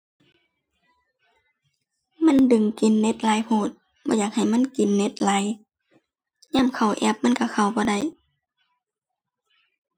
มันดึงกินเน็ตหลายโพด บ่อยากให้มันกินเน็ตหลาย ยามเข้าแอปมันก็เข้าบ่ได้